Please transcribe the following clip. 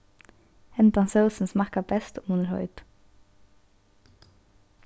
hendan sósin smakkar best um hon er heit